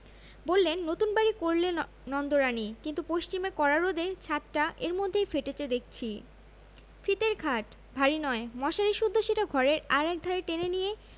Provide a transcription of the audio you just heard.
বললেন নতুন বাড়ি করলে নন্দরানী কিন্তু পশ্চিমের কড়া রোদে ছাতটা এর মধ্যেই ফেটেচে দেখচি ফিতের খাট ভারী নয় মশারি সুদ্ধ সেটা ঘরের আর একধারে টেনে নিয়ে